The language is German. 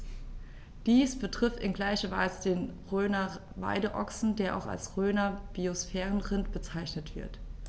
Dies betrifft in gleicher Weise den Rhöner Weideochsen, der auch als Rhöner Biosphärenrind bezeichnet wird.